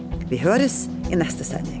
vi høres i neste sending.